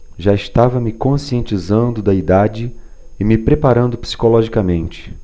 já estava me conscientizando da idade e me preparando psicologicamente